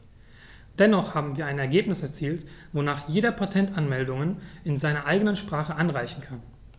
Dennoch haben wir ein Ergebnis erzielt, wonach jeder Patentanmeldungen in seiner eigenen Sprache einreichen kann.